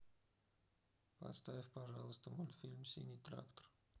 поставь пожалуйста мультфильм синий трактор